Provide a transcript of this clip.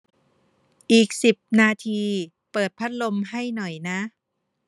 อีกสิบนาทีเปิดพัดลมให้หน่อยนะ